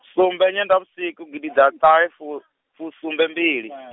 sumbe nyendavhusiku gididatahefu- -fusumbembili .